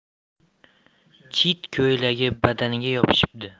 chit ko'ylagi badaniga yopishibdi